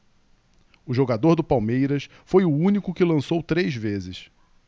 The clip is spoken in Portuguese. o jogador do palmeiras foi o único que lançou três vezes